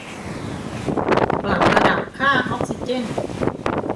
ปรับระดับค่าออกซิเจน